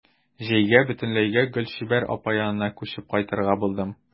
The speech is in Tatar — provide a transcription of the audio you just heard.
Җәйгә бөтенләйгә Гөлчибәр апа янына күчеп кайтырга булдым.